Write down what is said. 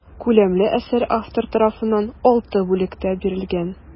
Күләмле әсәр автор тарафыннан алты бүлектә бирелгән.